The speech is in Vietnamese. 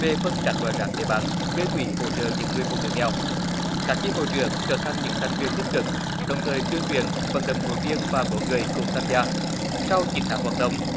về phân các loại rác để bán gây quỹ hỗ trợ những người phụ nữ nghèo các chi hội trưởng trở thành những thành viên tích cực đồng thời tuyên truyền vận động hội viên và mỗi người cùng tham gia sau chín tháng hoạt động